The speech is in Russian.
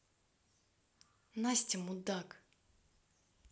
настя мудак